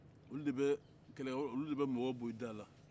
olu de bɛ kɛlɛ yɔrɔ olu mɔgɔ bon i da la